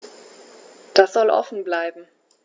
Das soll offen bleiben.